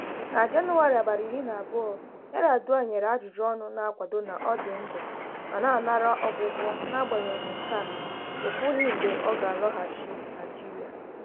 Na Jenụwarị 12th, Yar'Adua nyere ajụjụọnụ na-akwado na ọ dị ndụ ma na-anara ọgwụgwọ, n'agbanyeghị nke a, o kwughị mgbe ọ ga-alọghachi Naịjirịa.